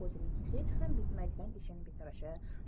o'zining hech ham bitmaydigan ishini bitirishi